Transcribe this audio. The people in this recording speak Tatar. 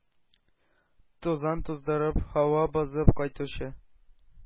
Тузан туздырып, һава бозып кайтучы